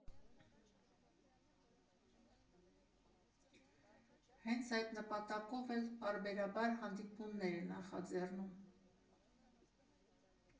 Հենց այդ նպատակով էլ պարբերաբար հանդիպումներ է նախաձեռնում։